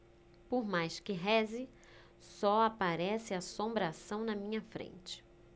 por mais que reze só aparece assombração na minha frente